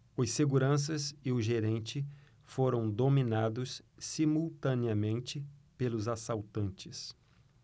os seguranças e o gerente foram dominados simultaneamente pelos assaltantes